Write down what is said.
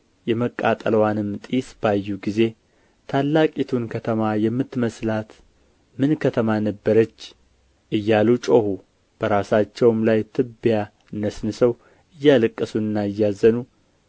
የመቃጠልዋንም ጢስ ባዩ ጊዜ ታላቂቱን ከተማ የምትመስላት ምን ከተማ ነበረች እያሉ ጮኹ በራሳቸውም ላይ ትቢያ ነስንሰው እያለቀሱና እያዘኑ